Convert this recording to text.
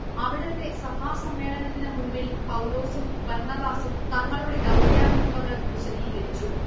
അവിടത്തെ സഭാസമ്മേളനത്തിന് മുൻപിൽ പൗലോസും ബർണ്ണബാസും തങ്ങളുടെ ദൗത്യാനുഭവങ്ങൾ വിശദീകരിച്ചു